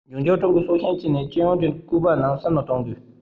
འབྱུང འགྱུར ཀྲུང གོའི སྲོག ཤིང བྱེད ནས སྤྱི ཡོངས ཀྱི བཀོད པའི ནང བསམ བློ གཏོང དགོས